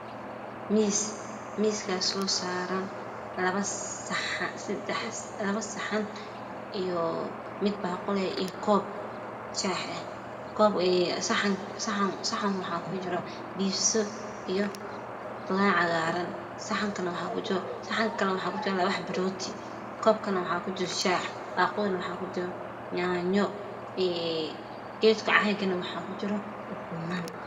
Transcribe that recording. Miis kaasoo saaran sadex saxan iyo midbaaqule koob iyo saxan saxanka waxa ku jira khudaar cagaaran koobkana waxa ku jira shaah